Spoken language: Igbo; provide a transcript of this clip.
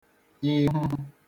ihu